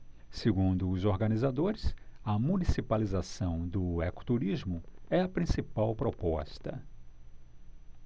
segundo os organizadores a municipalização do ecoturismo é a principal proposta